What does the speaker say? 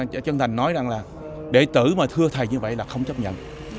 chân thành nói rằng đệ tử thưa thầy như vậy là không chấp nhận